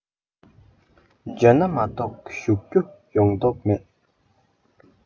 བྱོན ན མ གཏོགས བཞུགས རྒྱུ ཡོང མདོག མེད